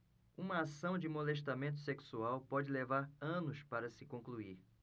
uma ação de molestamento sexual pode levar anos para se concluir